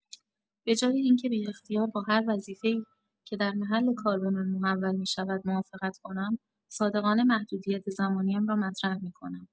به‌جای اینکه بی‌اختیار با هر وظیفه‌ای که در محل کار به من محول می‌شود موافقت کنم، صادقانه محدودیت زمانی‌ام را مطرح کنم.